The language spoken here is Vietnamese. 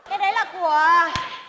cái đấy là của ờ